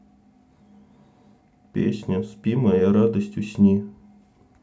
песня спи моя радость усни